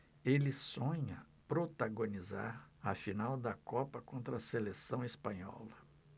ele sonha protagonizar a final da copa contra a seleção espanhola